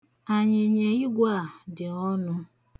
Anyịnyiigwe a dị ọnụ.